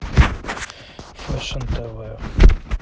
фэшн тв